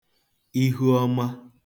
Ihuọma